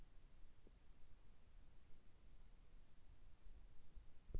причем тут хорошо я не понимаю